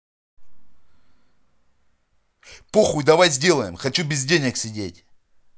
похуй давай сделаем хочу без денег сидеть